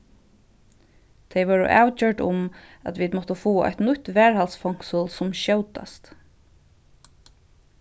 tey vóru avgjørd um at vit máttu fáa eitt nýtt varðhaldsfongsul sum skjótast